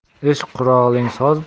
ish quroling soz